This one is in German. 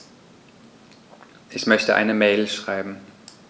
Ich möchte eine Mail schreiben.